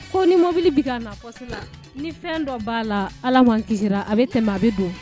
Ko ni mɔbili bi ka na poste la . Ni fɛn dɔ ba la ala man kisisila a bɛ tɛmɛ a bɛ don.